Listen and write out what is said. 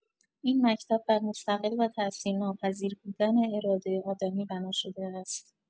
این مکتب بر مستقل و تاثیرناپذیر بودن اراده آدمی بنا شده است.